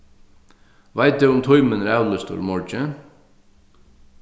veit tú um tímin er avlýstur í morgin